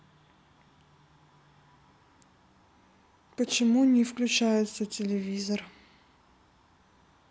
почему не включается телевизор